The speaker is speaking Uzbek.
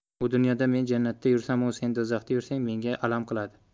u dunyoda men jannatda yursamu sen do'zaxda yursang menga alam qiladi